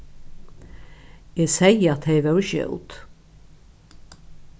eg segði at tey vóru skjót